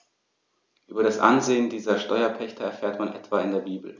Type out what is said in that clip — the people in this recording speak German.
Über das Ansehen dieser Steuerpächter erfährt man etwa in der Bibel.